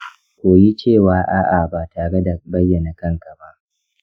koyi cewa a’a ba tare da bayyana kanka ba.